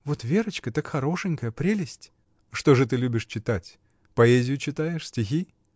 Вот Верочка так хорошенькая, прелесть! — Что же ты любишь читать? Поэзию читаешь: стихи?